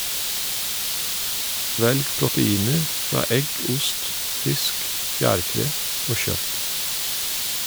Velg proteiner fra egg, ost , fisk , fjærkre og kjøtt.